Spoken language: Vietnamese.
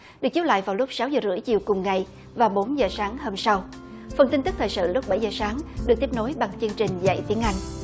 được chiếu lại vào lúc sáu giờ rưỡi chiều cùng ngày và bốn giờ sáng hôm sau phần tin tức thời sự lúc bảy giờ sáng được tiếp nối bằng chương trình dạy tiếng anh